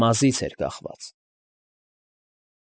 Մազից էր կախված։